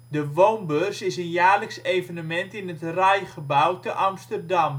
De woonbeurs is een jaarlijks evenement in het RAI-gebouw te Amsterdam. Op